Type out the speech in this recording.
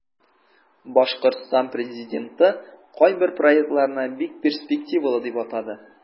Башкортстан президенты кайбер проектларны бик перспективалы дип атады.